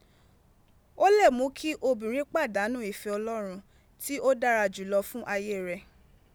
Ó lè mú kí Obìnrin pàdánù ìfẹ́ Ọlọ́run tí ó dára jùlọ fún ayé rẹ̀.